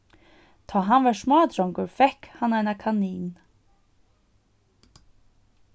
tá hann var smádrongur fekk hann eina kanin